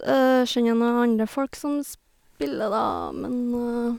Kjenner noen andre folk som spiller, da, men...